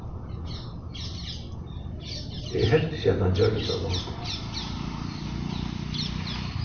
eg helt ikki at hann gjørdi tað longur